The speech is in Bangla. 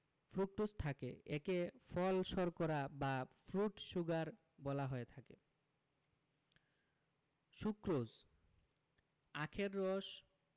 ফ্রুকটোজ থাকে একে ফল শর্করা বা ফ্রুট শুগার বলা হয়ে থাকে সুক্রোজ আখের রস